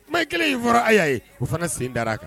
Kuma kelen in fɔra a y'a ye o fana ka sen da a kan